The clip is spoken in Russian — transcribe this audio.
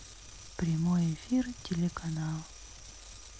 прямой эфир телеканал